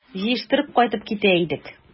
Җыештырып кайтып китә идек...